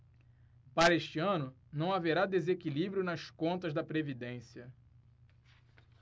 para este ano não haverá desequilíbrio nas contas da previdência